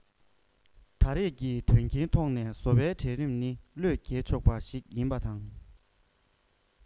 ད རེས ཀྱི དོན རྐྱེན ཐོག ནས བཟོ པའི གྲལ རིམ ནི བློས འགེལ ཆོག པ ཞིག ཡིན པ དང